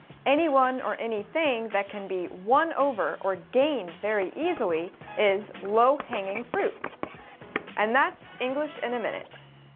en ni oăn o en ni thing dát ken bi oăn âu vờ o đêm ve ri i dì lì en lâu hây ing phút en nót ing lích e ni mi nịt